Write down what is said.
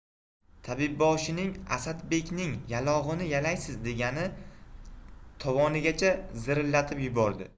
tabibboshining asadbekning yalog'ini yalaysiz degani tovonigacha zirillatib yubordi